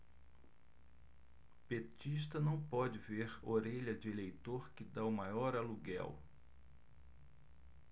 petista não pode ver orelha de eleitor que tá o maior aluguel